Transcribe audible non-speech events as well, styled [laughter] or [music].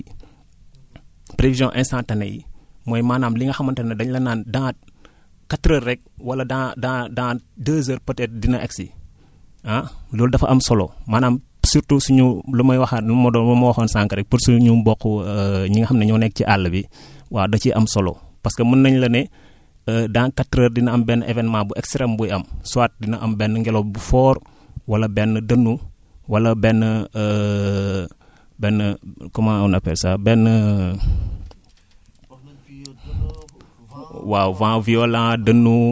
beneen bi mooy prévision insatntanées yi prévisions instantanées yi mooy maanaam li nga xamante ne dañ la naan dans quatre heures rekk wala dans dans dans dans deux heures peut être dina eggsi ah loolu dafa am solo maanaam surtout suñu lu may waxaat moo doon li ma waxoon sànq rekk pour suñu mbokku [hesitation] ñi nga xam ne ñoo nekk ci àll bi [breath] waaw da ciy am solo parce que mën nañ la ne [hesitation] dans quatre heures dina am benn événement bu extrème buy am soit dina aam benn ngelaw bu fort wala benn dënnu wala benn [hesitation] benn comment on appelle ça benn [hesitation]